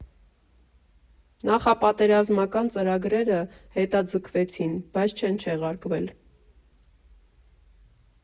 Նախապատերազմական ծրագրերը հետաձգվեցին, բայց չեն չեղարկվել։